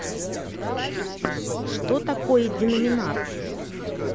что такое деноминация